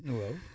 waaw